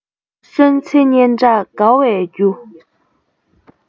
གསོན ཚེ སྙན གྲགས དགའ བའི རྒྱུ